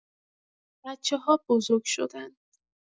بچه‌ها بزرگ‌شدن.